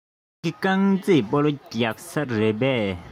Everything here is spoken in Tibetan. ཕ གི རྐང རྩེད སྤོ ལོ རྒྱག ས རེད པས